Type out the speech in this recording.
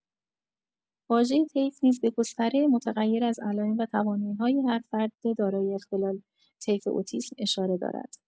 واژه طیف نیز به گستره متغیر از علائم و توانایی‌های هر فرد دارای اختلال طیف اتیسم اشاره دارد.